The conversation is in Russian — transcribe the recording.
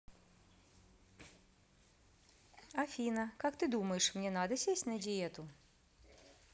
афина как ты думаешь мне надо сесть на диету